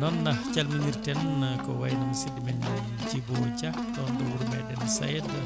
noon calminirten ko wayno musidɗo men Djibo Dia ɗon ɗo wuuro meɗen Saede